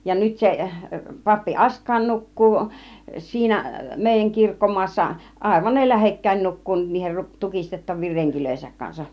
ja nyt se pappi Askain nukkuu siinä meidän kirkkomaassa aivan ne lähekkäin nukkuu niiden - tukistettavien renkiensä kanssa